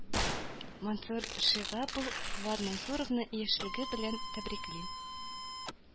Мансур Шиһапов Фуат Мансуровны яшьлеге белән тәбрикли